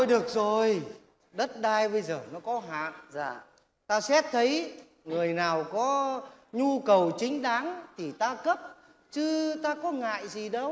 thôi được rồi đất đai bây giờ nó có hạn ta xét thấy người nào có nhu cầu chính đáng thì ta cấp chứ ta có ngại gì đâu